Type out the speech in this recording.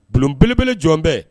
Bulonbelebele jɔn bɛɛ